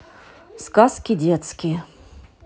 сказки детские